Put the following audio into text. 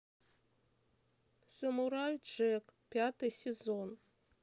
самурай джек пятый сезон